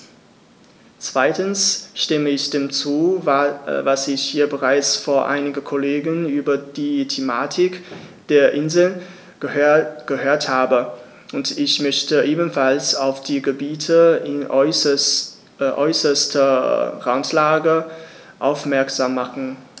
Zweitens stimme ich dem zu, was ich hier bereits von einem Kollegen über die Thematik der Inseln gehört habe, und ich möchte ebenfalls auf die Gebiete in äußerster Randlage aufmerksam machen.